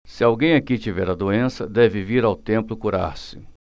se alguém aqui tiver a doença deve vir ao templo curar-se